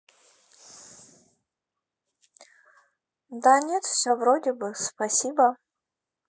да нет все вроде бы спасибо